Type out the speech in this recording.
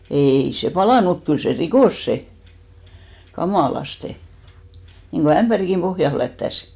ei se palanut mutta kyllä se rikkoi se kamalasti niin kuin ämpärinkin pohjan flättäsi